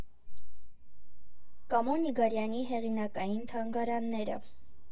Կամո Նիգարյանի հեղինակային թանգարանները։